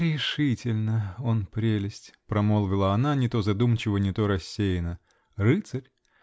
-- Решительно -- он прелесть, -- промолвила она не то задумчиво, не то рассеянно. -- Рыцарь!